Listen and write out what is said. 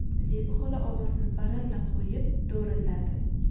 zebi xola ovozini baralla qo'yib do'rilladi